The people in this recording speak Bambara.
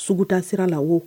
Sugu taa sira la o